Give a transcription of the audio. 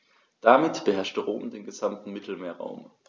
Damit beherrschte Rom den gesamten Mittelmeerraum.